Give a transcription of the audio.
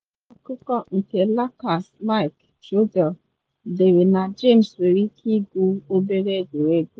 Onye mkpesa akụkọ nke Lakers Mike Trudell dere na James nwere ike igwu obere egwuregwu.